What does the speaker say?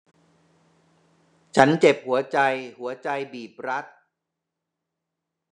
ฉันเจ็บหัวใจหัวใจบีบรัด